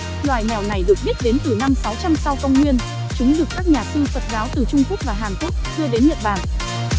loài mèo này được biết đến từ năm sau công nguyên chúng được các nhà sư phật giáo từ trung quốc và hàn quốc đưa đến nhật bản